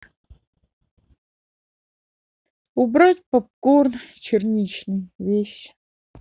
убрать попкорн черничный весь